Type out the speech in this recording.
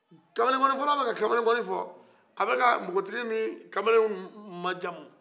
kamalen ŋonifɔla bɛ ka kamalen ŋonifɔ a bɛ ka npogotigi ni kamalen majamu